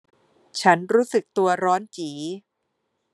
ฉันรู้สึกตัวร้อนจี๋